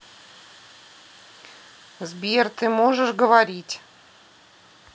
сбер ты можешь говорить